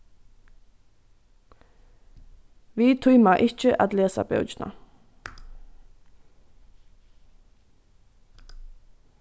vit tíma ikki at lesa bókina